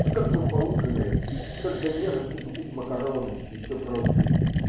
А как мы поужинаем, когда не на что купить макароны и все прочее?